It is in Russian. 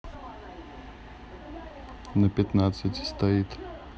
на пятнадцать стоит